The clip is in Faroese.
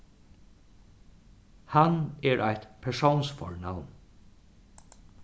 hann er eitt persónsfornavn